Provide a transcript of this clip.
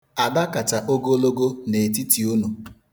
Ada kacha ogologo n'etiti unu.